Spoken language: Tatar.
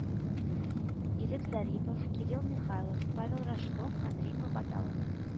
Ирек Зарипов, Кирилл Михайлов, Павел Рожков һәм Рима Баталова